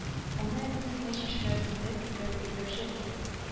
Аны әкрен генә чишмә өстендә тирбәп-тирбәп җырлый